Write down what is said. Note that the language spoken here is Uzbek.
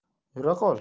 yura qol